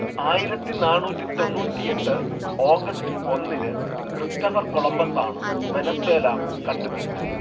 ആയിരത്തിനാന്നൂറ്റിതൊണ്ണൂറ്റിയെട്ട് August ഒന്നിനു Christopher കൊളംമ്പസാണു Venezuela കണ്ടുപിടിച്ചത്